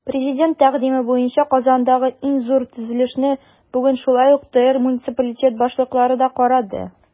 Президент тәкъдиме буенча Казандагы иң зур төзелешне бүген шулай ук ТР муниципалитет башлыклары да карады.